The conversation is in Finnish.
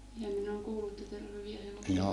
ja minä olen kuullut että teillä on hyviä hevosia